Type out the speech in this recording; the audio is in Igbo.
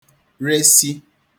resi